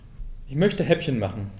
Ich möchte Häppchen machen.